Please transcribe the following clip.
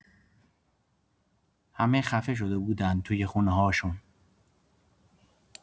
همه خفه شده بودن تو خونه‌هاشون.